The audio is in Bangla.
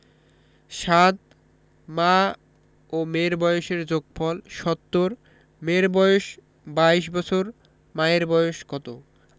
৭ মা ও মেয়ের বয়সের যোগফল ৭০ মেয়ের বয়স ২২ বছর মায়ের বয়স কত